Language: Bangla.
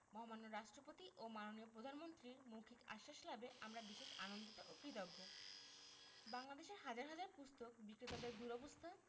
মহামান্য রাষ্ট্রপতি ও মাননীয় প্রধানমন্ত্রীর মৌখিক আশ্বাস লাভে আমরা বিশেষ আনন্দিত ও কৃতজ্ঞ বাংলাদেশের হাজার হাজার পুস্তক বিক্রেতাদের দুরবস্থা